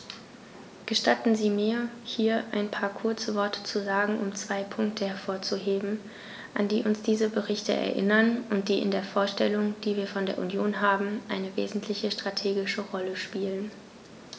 Gestatten Sie mir, hier ein paar kurze Worte zu sagen, um zwei Punkte hervorzuheben, an die uns diese Berichte erinnern und die in der Vorstellung, die wir von der Union haben, eine wesentliche strategische Rolle spielen.